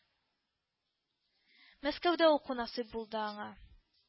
Мәскәүдә уку насыйп булды аңа